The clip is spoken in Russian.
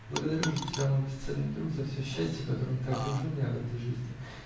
Благодарю же тебя, мой бесценный друг, за все счастие, которым ты окружил меня в этой жизни